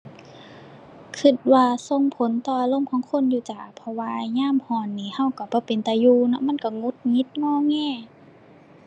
คิดว่าส่งผลต่ออารมณ์ของคนอยู่จ้า เพราะว่ายามคิดนี่คิดคิดบ่เป็นตาอยู่เนาะ มันคิดหงุดหงิด งอแง